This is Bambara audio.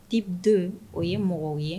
Didon o ye mɔgɔw ye